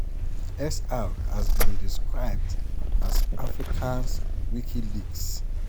SR has been described as Africa's Wikileaks.